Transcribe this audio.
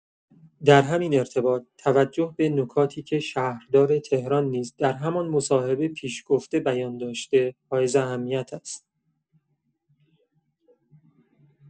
در همین ارتباط، توجه به نکاتی که شهردار تهران نیز در همان مصاحبه پیش‌گفته بیان داشته، حایز اهمیت است.